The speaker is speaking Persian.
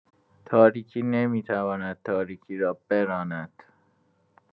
تاریکی نمی‌تواند تاریکی را براند